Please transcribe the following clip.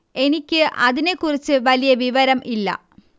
എനിക്ക് അതിനെ കുറിച്ച് വലിയ വിവരം ഇല്ല